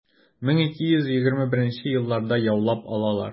1221 елларда яулап алалар.